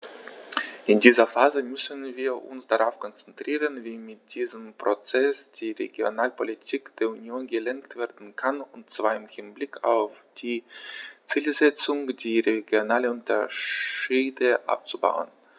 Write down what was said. In dieser Phase müssen wir uns darauf konzentrieren, wie mit diesem Prozess die Regionalpolitik der Union gelenkt werden kann, und zwar im Hinblick auf die Zielsetzung, die regionalen Unterschiede abzubauen.